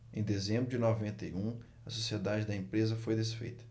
em dezembro de noventa e um a sociedade da empresa foi desfeita